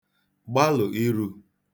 gbalụ̀ irū